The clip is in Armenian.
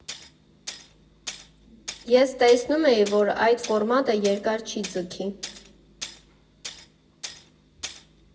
Ես տեսնում էի, որ այդ ֆորմատը երկար չի ձգի։